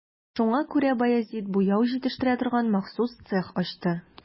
Шуңа күрә Баязит буяу җитештерә торган махсус цех ачты.